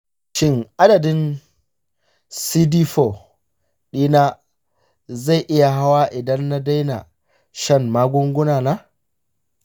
shin adadin cd4 ɗina zai iya hawa idan na daina shan magungunana?